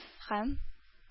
Һәм